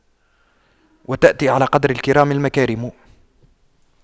وتأتي على قدر الكرام المكارم